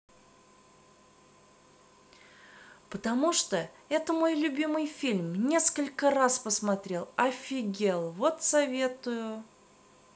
потому что это мой любимый фильм несколько раз посмотрел офигел вот советую